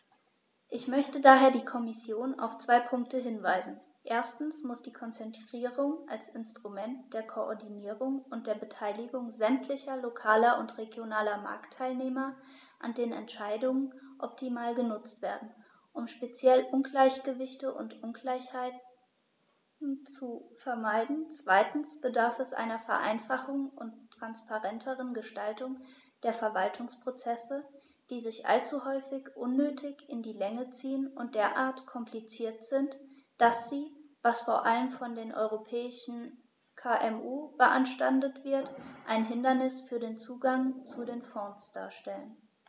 Ich möchte daher die Kommission auf zwei Punkte hinweisen: Erstens muss die Konzertierung als Instrument der Koordinierung und der Beteiligung sämtlicher lokaler und regionaler Marktteilnehmer an den Entscheidungen optimal genutzt werden, um speziell Ungleichgewichte und Ungleichheiten zu vermeiden; zweitens bedarf es einer Vereinfachung und transparenteren Gestaltung der Verwaltungsprozesse, die sich allzu häufig unnötig in die Länge ziehen und derart kompliziert sind, dass sie, was vor allem von den europäischen KMU beanstandet wird, ein Hindernis für den Zugang zu den Fonds darstellen.